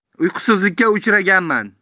uyqusizlikka uchraganman